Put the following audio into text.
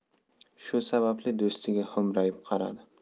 shu sababli do'stiga xo'mrayib qaradi